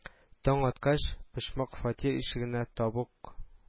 Таң аткач, почмак фатир ишегенә табук